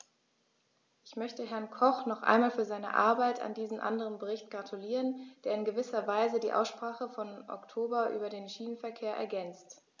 Ich möchte Herrn Koch noch einmal für seine Arbeit an diesem anderen Bericht gratulieren, der in gewisser Weise die Aussprache vom Oktober über den Schienenverkehr ergänzt.